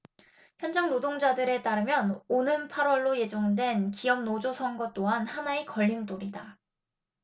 현장 노동자들에 따르면 오는 팔 월로 예정된 기업노조 선거 또한 하나의 걸림돌이다